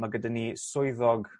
ma' gyda ni swyddog